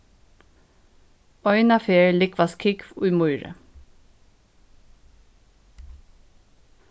eina ferð lúgvast kúgv í mýri